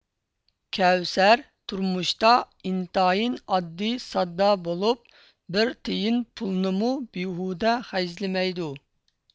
كەۋسەر تۇرمۇشتا ئىنتايىن ئاددىي ساددا بولۇپ بىر تىيىن پۇلنىمۇ بىھۇدە خەجلىمەيدۇ